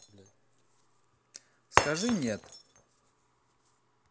скажи нет